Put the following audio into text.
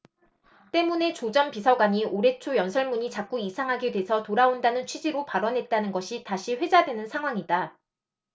때문에 조 전 비서관이 올해 초 연설문이 자꾸 이상하게 돼서 돌아온다는 취지로 발언했다는 것이 다시 회자되는 상황이다